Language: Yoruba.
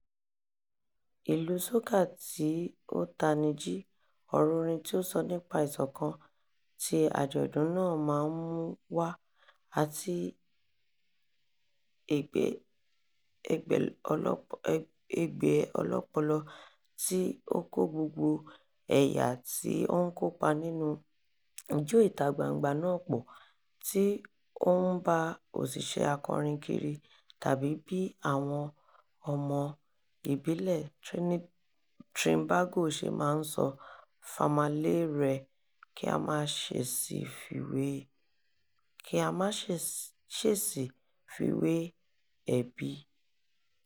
ìlù "soca tí ó tani jí", ọ̀rọ̀ orin tí ó sọ nípa ìṣọ̀kan tí àjọ̀dún náà máa ń mú wá, àti ègbé ọlọ́pọlọ tí ó kó gbogbo ẹ̀yà tí ó ń kópa nínú Ijó ìta-gbangba náà pọ̀ — tí ó ń bá òṣìṣẹ́ akọrin kiri, tàbí bí àwọn ọmọ ìbílẹ̀ Trinbago ṣe máa ń sọ, “famalay” rẹ (kí a máà ṣèṣì fi wé “ẹbí”) :